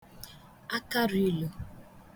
akaràilù